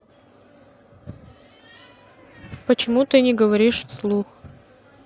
почему ты не говоришь вслух